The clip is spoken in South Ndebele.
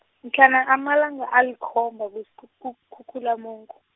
mhlana amalanga alikhomba kuskhu- kuKhukhulamungu.